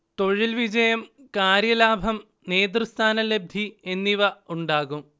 തൊഴിൽ വിജയം, കാര്യലാഭം, നേതൃസ്ഥാനലബ്ധി എന്നിവ ഉണ്ടാകും